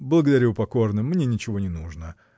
Благодарю покорно, мне ничего не нужно.